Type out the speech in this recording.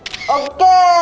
ô kê